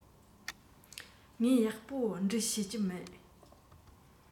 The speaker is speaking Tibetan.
ངས ཡག པོ འབྲི ཤེས ཀྱི མེད